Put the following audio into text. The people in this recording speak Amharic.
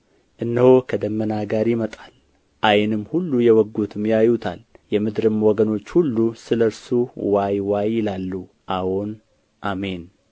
እነሆ ከደመና ጋር ይመጣል ዓይንም ሁሉ የወጉትም ያዩታል የምድርም ወገኖች ሁሉ ስለ እርሱ ዋይ ዋይ ይላሉ አዎን አሜን